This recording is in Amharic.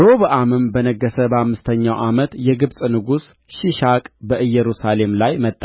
ሮብዓምም በነገሠ በአምስተኛው ዓመት የግብጽ ንጉሥ ሺሻቅ በኢየሩሳሌም ላይ መጣ